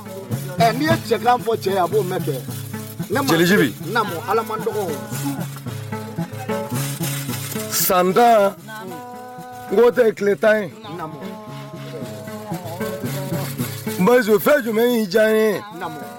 N'i ye cɛ cɛ a b'o mɛn mali san tan tɛ tile tan ye np fɛn jumɛn y'i diya ye